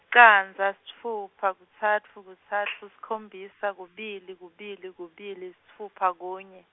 licandza, sitfupha, kutsatfu, kutsatfu, sikhombisa, kubili, kubili, kubili, sitfupha, kunye.